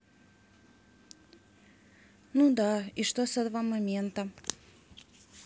ну да и что с этого момента